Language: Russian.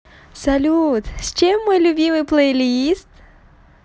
салют с чем мой любимый плейлист